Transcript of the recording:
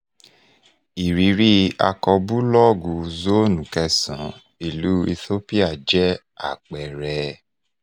Ìrírí akọbúlọ́ọ̀gù Zone9 ìlú Ethiopia jẹ́ àpẹẹrẹ.